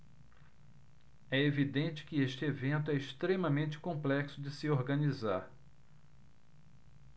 é evidente que este evento é extremamente complexo de se organizar